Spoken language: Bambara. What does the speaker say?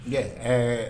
Ee ɛɛ